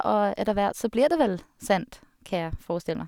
Og etter hvert så blir det vel sant, kan jeg forestille meg.